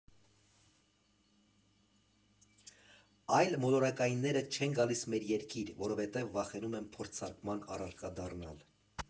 Այլմոլորակայինները չեն գալիս մեր երկիր, որովհետև վախենում են փորձարկման առարկա դառնալ։